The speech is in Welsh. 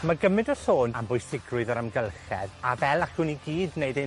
Ma' gymint o sôn am bwysigrwydd yr amgylchedd, a fel allwn ni i gyd wneud ein